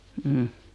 mm